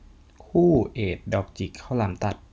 คู่เอดดอกจิกข้าวหลามตัด